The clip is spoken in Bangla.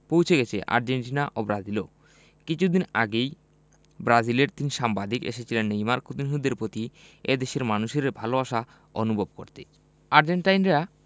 পৌঁছে গেছে আর্জেন্টিনা ব্রাজিলেও কিছুদিন আগেই ব্রাজিলের তিন সাংবাদিক এসেছিলেন নেইমার কুতিনহোদের প্রতি এ দেশের মানুষের ভালোবাসা অনুভব করতে আর্জেন্টাইনরা